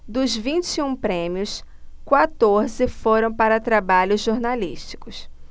dos vinte e um prêmios quatorze foram para trabalhos jornalísticos